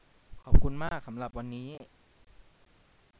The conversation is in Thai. ขอบคุณมากสำหรับวันนี้